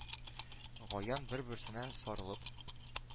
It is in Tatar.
Гаян бер-берсенә сарылып,